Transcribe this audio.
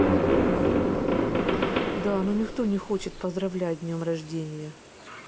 да но никто не хочет поздравлять днем рождения